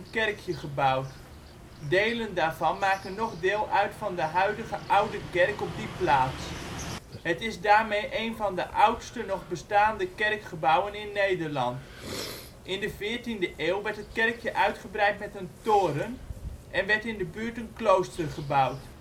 kerkje gebouwd. Delen daarvan maken nog deel uit van de huidige Oude Kerk op die plaats. Het is daarmee een van de oudste nog bestaande kerkgebouwen in Nederland. In de 14e eeuw werd het kerkje uitgebreid met een toren, en werd in de buurt een klooster gebouwd